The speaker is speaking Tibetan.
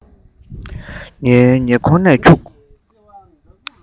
ངའི ཉེ འཁོར ནས འཁྱུག